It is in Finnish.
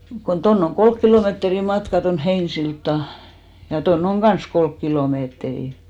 kun tuonne on kolme kilometriä' matkaa tuonne Heinäsiltaan ja tuonne on kanssa kolme kilometriä